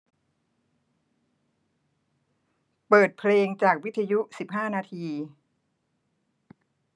เปิดเพลงจากวิทยุสิบห้านาที